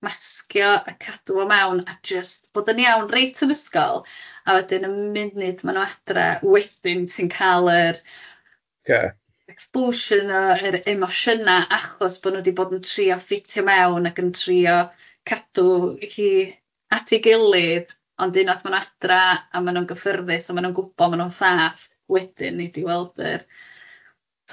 masgio a cadw o mewn a jyst bod yn iawn reit yn ysgol a wedyn y munud maen nhw'n adre wedyn ti'n cael yr... Ie. ...ocê explosion o yr emosiynau achos bod nhw wedi bod yn trio ffitio mewn ac yn trio cadw hi at ei gilydd ond unwaith mae'n nhw'n adra a maen nhw'n gyffyrddus a maen nhw'n gwbod maen nhw'n saff wedyn nei di weld yr tibod yr... Yy ie.